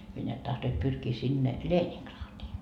he näet tahtoivat pyrkiä sinne Leningradiin